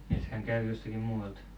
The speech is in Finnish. että hän käy jostakin muualta